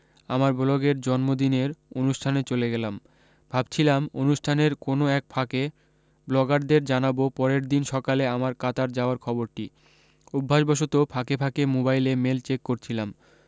আমারবলগের জন্মদিনের অনুষ্ঠানে চলে গেলাম ভাবছিলাম অনুষ্ঠানের কোন এক ফাঁকে ব্লগারদের জানাব পরেরদিন সকালে আমার কাতার যাওয়ার খবরটি অভ্যাসবশত ফাঁকে ফাঁকে মোবাইলে মেল চেক করছিলাম